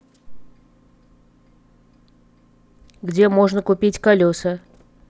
где можно купить колеса